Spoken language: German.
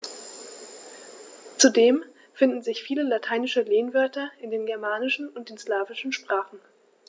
Zudem finden sich viele lateinische Lehnwörter in den germanischen und den slawischen Sprachen.